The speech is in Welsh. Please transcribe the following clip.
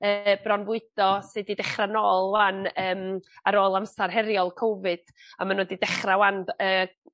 yy bronfwydo sy 'di dechra nôl 'wan yym ar ôl amser heriol Cofid. A ma' n'w 'di dechra 'wan by- yy